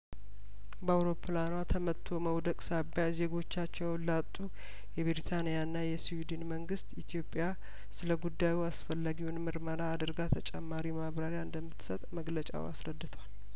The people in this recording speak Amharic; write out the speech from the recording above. በአውሮፕላኗ ተመትቶ መውደቅ ሳቢያ ዜጐቻቸውን ላጡ የብሪታኒያና የስዊድን መንግስት ኢትዮጵያ ስለጉዳዩ አስፈላጊውን ምርመራ አድርጋ ተጨማሪ ማብራሪያ እንደምትሰጥ መግለጫው አስረድቷል